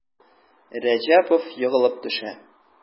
Рәҗәпов егылып төшә.